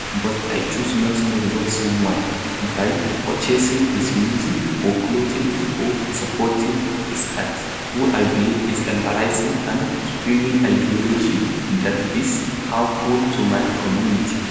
"But I chose NOT to reward someone (by purchasing his music or clothing or supporting his "art") who I believe is embracing and spewing ideology that is harmful to my community.